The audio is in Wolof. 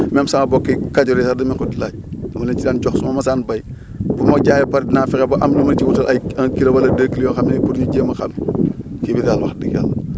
même sama mbokki kakoor yi sax dañ ma ko di laaj dama leen si daan jox su ma mosaan béy bu ma jaayee ba pare dina fexe ba am lu ma ci wutal ay un kilo wala deux kilos yoo xam ne pour ñu jéem a xam ji bi daal wax dëgg yàlla